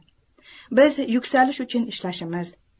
biz yuksalish uchun ishlashimiz